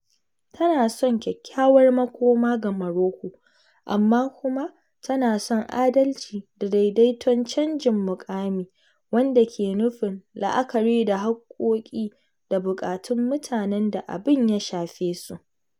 Tana son kyakkyawar makoma ga Morocco, amma kuma tana son adalci da daidaiton canjin muƙami, wanda ke nufin la’akari da haƙƙoƙi da buƙatun mutanen da abin ya shafe su.